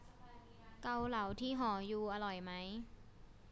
เกาเหลาที่หอยูอร่อยไหม